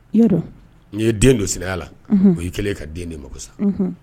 N'i ye den don sɛnɛya la o y yei kelen ka den de mako sa